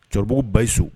Cɛkɔrɔbabugu bayi so